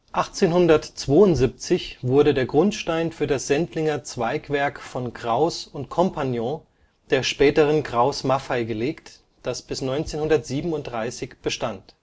1872 wurde der Grundstein für das Sendlinger Zweigwerk von Krauss & Comp., der späteren Krauss-Maffei gelegt, das bis 1937 bestand